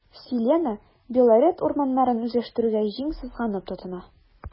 “селена” белорет урманнарын үзләштерүгә җиң сызганып тотына.